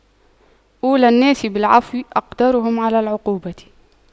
أولى الناس بالعفو أقدرهم على العقوبة